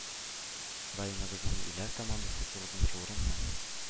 Районыбызның ирләр командасы тугызынчы урыннан